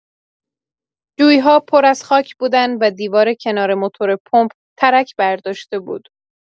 جوی‌ها پر از خاک بودن و دیوار کنار موتور پمپ ترک برداشته بود.